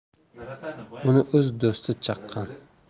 uni o'z do'sti chaqqan